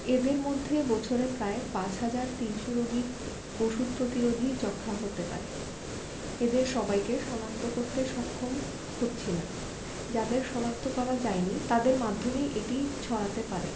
এদের মধ্যে বছরে প্রায় ৫ হাজার ৩০০ রোগীর ওষুধ প্রতিরোধী যক্ষ্মা হতে পারে এদের সবাইকে শনাক্ত করতে সক্ষম হচ্ছি না যাদের শনাক্ত করা যায়নি তাদের মাধ্যমেই এটি ছড়াতে পারে